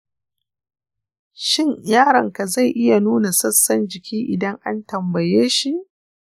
shin yaronka zai iya nuna sassan jiki idan an tambaye shi?